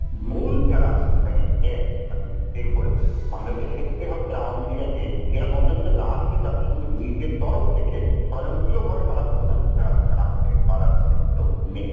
মুল যারা প্লেয়ার মানে স্টেক হোল্ডার বাংলাদেশের সেফটি হচ্ছে আওয়ামী লীগ আর বিএনপি কে মতৈক্যে না আসতে চাচ্ছে নিজের তরফ থেকে স্বয়ংক্রিয়ভাবে তারা কোনো ভূমিকা রাখতে পারার কোন সুযোগ নেই